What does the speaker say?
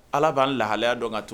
Ala b'an lahalaya dɔn ka to